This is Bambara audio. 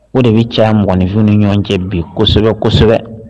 O de bɛ ca mɔgɔnfunu ɲɔgɔn cɛ bi kosɛbɛ